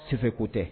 Seko tɛ